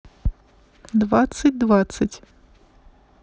двадцать двадцать